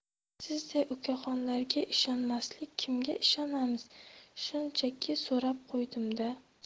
sizday ukaxonlarga ishonmasak kimga ishonamiz shunchaki so'rab qo'ydim da